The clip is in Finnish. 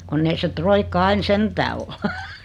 kun ei se roikka aina sentään ole